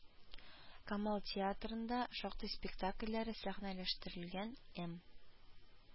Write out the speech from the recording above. Камал театрында шактый спектакльләре сәхнәләштерелгән, эМ